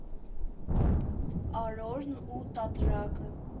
Արորն ու տատրակը։